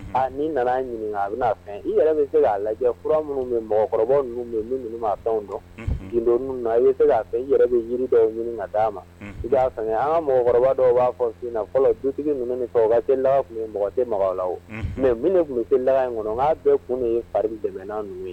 N'i nana'a ɲininka a bɛnaa fɛ i yɛrɛ min se'a lajɛ fura minnu mɔgɔkɔrɔba fɛn dɔn i se fɛ i yɛrɛ bɛ jiri dɔ ɲini ka d'a maa an ka mɔgɔkɔrɔba dɔw b'a fɔ fɔlɔ dutigi ninnu fɔ mɔgɔ mɛ minnu tun la in kɔnɔ'a bɛɛ kun ye fari jamana ye